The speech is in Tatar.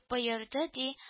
Боерды, ди